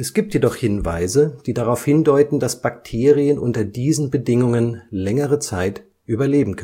gibt jedoch Hinweise, die darauf hindeuten, dass Bakterien unter diesen Bedingungen längere Zeit überleben